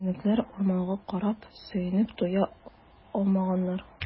Җәнлекләр урманга карап сөенеп туя алмаганнар.